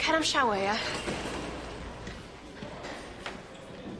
Cer I'm shower, yeah?